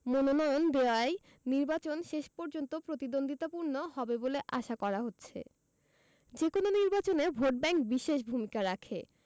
মনোনয়ন দেওয়ায় নির্বাচন শেষ পর্যন্ত প্রতিদ্বন্দ্বিতাপূর্ণ হবে বলে আশা করা হচ্ছে যেকোনো নির্বাচনে ভোটব্যাংক বিশেষ ভূমিকা রাখে